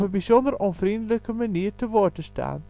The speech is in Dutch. bijzonder onvriendelijke manier te woord te staan